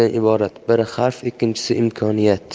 iborat biri xavf ikkinchisi imkoniyat